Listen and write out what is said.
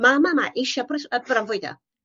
Ma mama isio brys- yy bronfwydo.